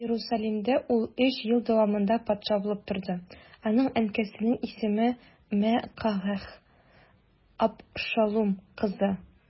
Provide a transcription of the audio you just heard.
Иерусалимдә ул өч ел дәвамында патша булып торды, аның әнкәсенең исеме Мәгакәһ, Абшалум кызы.